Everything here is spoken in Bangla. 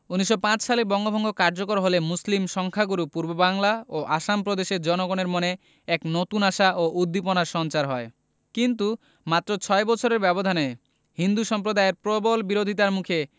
১৯০৫ সালে বঙ্গভঙ্গ কার্যকর হলে মুসলিম সংখ্যাগুরু পূর্ববাংলা ও আসাম প্রদেশের জনগণের মনে এক নতুন আশা ও উদ্দীপনার সঞ্চার হয় কিন্তু মাত্র ছয় বছরের ব্যবধানে হিন্দু সম্প্রদায়ের প্রবল বিরোধিতার মুখে এ